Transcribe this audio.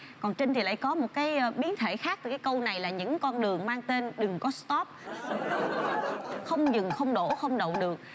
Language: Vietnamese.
còn trinh thì lại có một cái biến thể khác với các câu này là những con đường mang tên đừng có xì tóp không dừng không đỗ không đậu được